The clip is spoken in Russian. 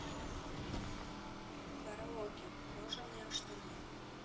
караоке кожаные штаны